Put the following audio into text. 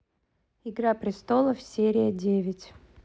игра престолов серия девять